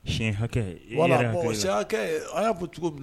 Si hakɛ walima wala an y'a cogo min